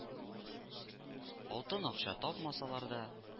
Алтын акча тапмасалар да